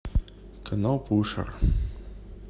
канал пушер